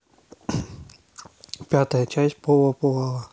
пятая часть пола полава